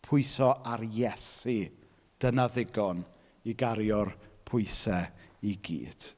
Pwyso ar Iesu. Dyna ddigon i gario'r pwysau i gyd.